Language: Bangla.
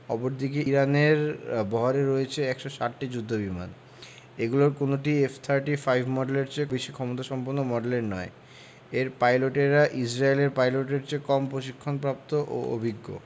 অপরদিকে ইরানের বহরে রয়েছে ১৬০টি যুদ্ধবিমান এগুলোর কোনোটিই এফ থার্টি ফাইভ মডেলের বেশি ক্ষমতাসম্পন্ন মডেলের নয় এর পাইলটেরা ইসরায়েলের পাইলটদের চেয়ে কম প্রশিক্ষণপ্রাপ্ত ও অভিজ্ঞ